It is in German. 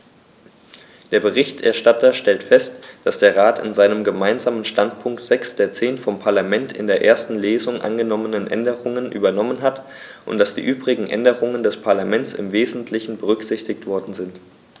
Der Berichterstatter stellte fest, dass der Rat in seinem Gemeinsamen Standpunkt sechs der zehn vom Parlament in der ersten Lesung angenommenen Änderungen übernommen hat und dass die übrigen Änderungen des Parlaments im wesentlichen berücksichtigt worden sind.